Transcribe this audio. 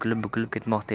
bukilib bukilib ketmoqda edi